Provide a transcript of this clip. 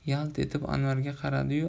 yalt etib anvarga qaradi yu